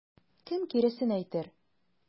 Кем киресен әйтер?